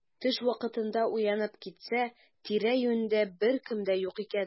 Төш вакытында уянып китсә, тирә-юньдә беркем дә юк икән.